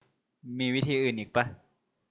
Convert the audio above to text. มีวิธีอื่นอีกปะ